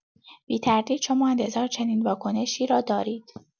بی‌تردید شما انتظار چنین واکنشی را دارید.